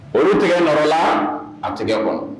Olu tigɛ nɔ la a tɛgɛ kɔnɔ